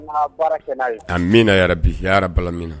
A bɛna yɛrɛ bi min